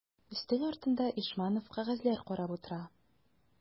Өстәл артында Ишманов кәгазьләр карап утыра.